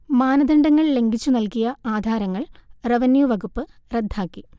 മാനദണ്ഡങ്ങൾ ലംഘിച്ചു നൽകിയ ആധാരങ്ങൾ റവന്യൂ വകുപ്പ് റദ്ദാക്കി